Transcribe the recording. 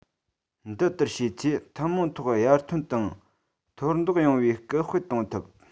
འདི ལྟར བྱས ཚེ ཐུན མོང ཐོག ཡར ཐོན དང མཐོར འདེགས ཡོང བར སྐུལ སྤེལ གཏོང ཐུབ